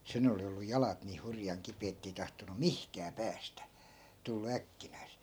sen oli ollut jalat niin hurjan kipeät että ei tahtonut mihinkään päästä tullut äkkinäiseen